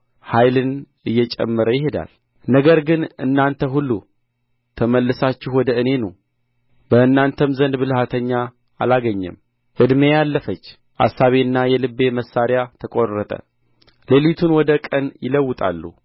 ኃይልን እየጨመረ ይሄዳል ነገር ግን እናንተ ሁሉ ተመልሳችሁ ወደ እኔ ኑ በእናንተም ዘንድ ብልሃተኛ አላገኝም ዕድሜዬ አለፈች አሳቤና የልቤ መሣርያ ተቈረጠ ሌሊቱን ወደ ቀን ይለውጣሉ